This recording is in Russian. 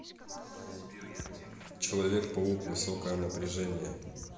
человек паук высокое напряжение